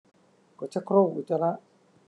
กดชักโครกอุจจาระ